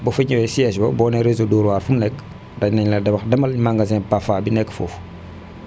boo fa ñëwee siège ba boo nee réseau Dóor waar fu mu nekk danañ la wax demal magasin Pafa bi nekk foofu